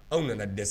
Anw nana dɛsɛ